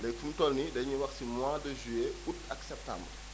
léegi fu mu toll nii dañuy wax si mois de juillet aôut ak septembre